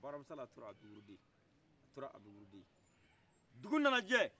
bakari hama sala tora abi rudi a tora abi rudi dugu nana jɛ